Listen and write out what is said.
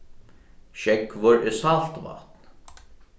sjógvur er salt vatn